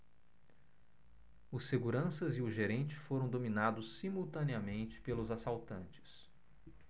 os seguranças e o gerente foram dominados simultaneamente pelos assaltantes